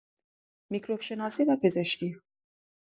میکروب‌شناسی و پزشکی